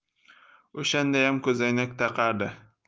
o'shandayam ko'zoynak taqardi